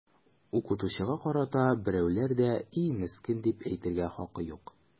Укытучыга карата берәүнең дә “и, мескен” дип әйтергә хакы юк!